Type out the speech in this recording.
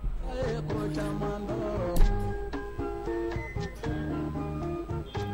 A y'i ko camantan